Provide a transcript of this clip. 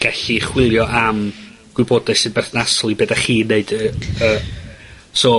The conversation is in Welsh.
gellu chwilio am gwybodaeth sy'n berthnasol i be' 'dach chi'n neud yy yy, so